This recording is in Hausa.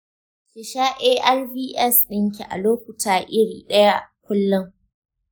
ki sha arvs ɗinki a lokuta iri ɗaya kullun.